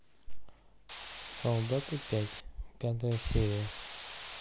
солдаты пять пятая серия